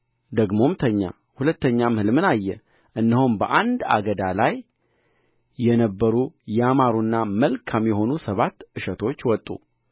ደግሞም ተኛ ሁለተኛም ሕልምን አየ እነሆም በአንድ አገዳ ላይ የነበሩ ያማሩና መልካም የሆኑ ሰባት እሸቶች ወጡ